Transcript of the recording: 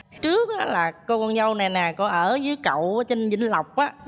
trước á là cô con dâu nè nè cô ở dới cậu ở trên vĩnh lộc á